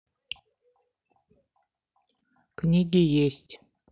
книги есть